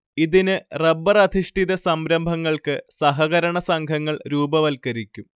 ഇതിന് റബ്ബറധിഷ്ഠിത സംരംഭങ്ങൾക്ക് സഹകരണ സംഘങ്ങൾ രൂപവൽകരിക്കും